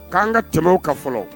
K'an ka tɛmɛ o kan fɔlɔ.